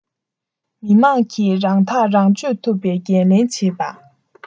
མི དམངས ཀྱིས རང ཐག རང གཅོད ཐུབ པའི འགན ལེན བྱེད པ